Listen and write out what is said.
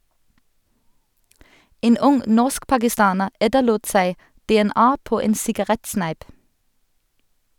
En ung norsk-pakistaner etterlot seg DNA på en sigarettsneip.